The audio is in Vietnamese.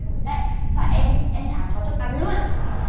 đúng rồi đấy phải em em thả chó cho cắn luôn